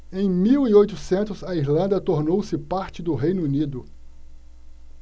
em mil e oitocentos a irlanda tornou-se parte do reino unido